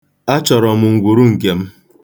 Achọrọ m ngwuru nke m.